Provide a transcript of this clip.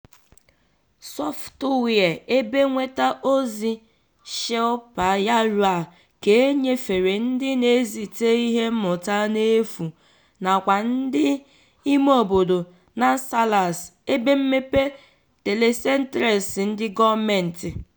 Sọfụtụwịe ebe mnweta ozi Shilpa Sayura ka e nyefere ndị na-ezita ihe mmụta n'efu nakwa ndị ime obodo Nansalas, ebe mmepe telecentres ndị gọọmenti.